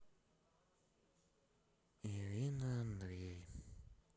ирина андрей